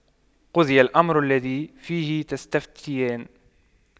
قُضِيَ الأَمرُ الَّذِي فِيهِ تَستَفِتيَانِ